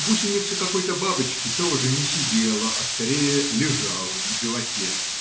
гусеница какой-то бабочки тоже не сидела, а скорее лежала на животе